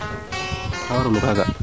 xa warsalu kaaga